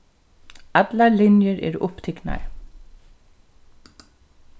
allar linjur eru upptiknar